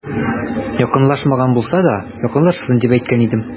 Якынлашмаган булса да, якынлашсын, дип әйткән идем.